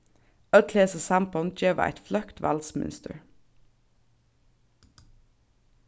øll hesi sambond geva eitt fløkt valdsmynstur